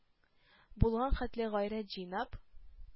Булган хәтле гайрәт җыйнап: